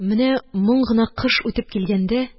Менә моң гына кыш үтеп килгәндә